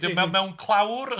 Me- me- mewn clawr?